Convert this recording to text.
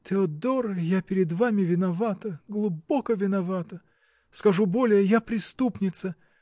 -- Теодор, я перед вами виновата, глубоко виновата, -- скажу более, я преступница